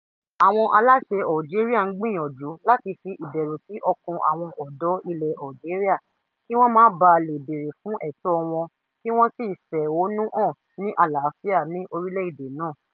"Àwọn aláṣẹ Algeria ń gbìyànjú láti fi ìbẹ̀rù sí ọkàn àwọn ọ̀dọ́ ilẹ̀ Algeria kí wọ́n má baà le bèèrè fún ẹ̀tọ́ wọn kí wọ́n sì fẹ̀hónú hàn ní àlàáfíà ní orílẹ̀-èdè náà.